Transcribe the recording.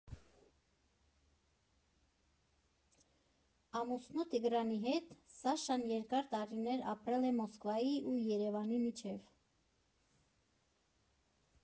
Ամուսնու՝ Տիգրանի հետ, Սաշան երկար տարիներ ապրել է Մոսկվայի ու Երևանի միջև։